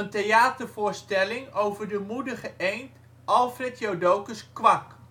theatervoorstelling over de moedige eend Alfred Jodocus Kwak